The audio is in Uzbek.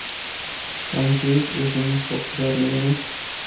panjiyev o'zining huquqbuzarligini